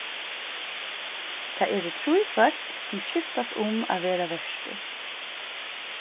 tað eru trý fólk sum skiftast um at vera vertir